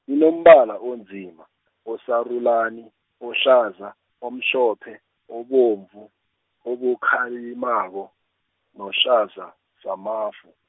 inombala onzima, osarulani, ohlaza, omhlophe, obomvu, obukhalimako, nohlaza samafu.